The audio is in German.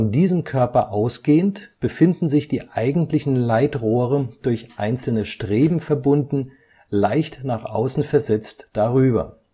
diesem Körper ausgehend befinden sich die eigentlichen Leitrohre durch einzelne Streben verbunden leicht nach außen versetzt darüber